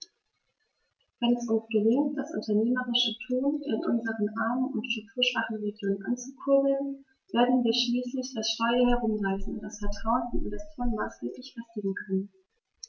Wenn es uns gelingt, das unternehmerische Tun in unseren armen und strukturschwachen Regionen anzukurbeln, werden wir schließlich das Steuer herumreißen und das Vertrauen von Investoren maßgeblich festigen können.